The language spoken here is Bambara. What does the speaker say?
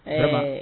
Ayiwa ma